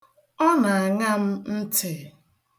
Ọ na-aṅa m ntị.